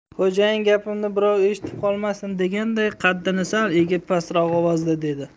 xo'jayin gapimni birov eshitib qolmasin deganday qaddini sal egib pastroq ovozda dedi